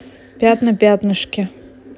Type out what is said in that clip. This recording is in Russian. пятна пятнышки